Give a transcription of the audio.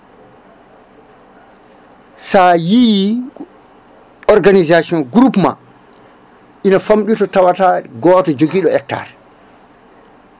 sa yii ko organisation groupement ina famɗi to tawata goto joguiɗo hectare